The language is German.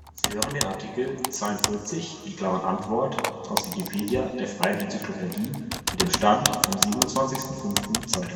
Sie hören den Artikel 42 (Antwort), aus Wikipedia, der freien Enzyklopädie. Mit dem Stand vom Der